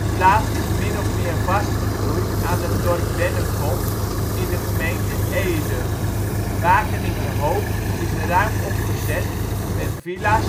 plaats is min of meer vastgegroeid aan het dorp Bennekom in de gemeente Ede. Wageningen-Hoog is ruim opgezet met villa